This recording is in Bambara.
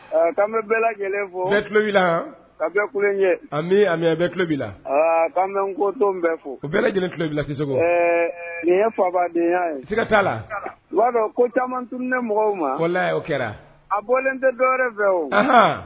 An bɛɛ lajɛlen fɔ ne tulolobi la a bɛ kulen ye bɛ tulolo b'i la ka n kotɔn bɛ fɔ bɛɛ lajɛlen tulolo bila kiso ɛɛ nin ye fabaadenya'a ye siga t'a la'adɔ ko caman tununɛnɛ mɔgɔw ma ko la oo kɛra a bɔlen tɛ dɔwɛrɛ fɛ o hɔn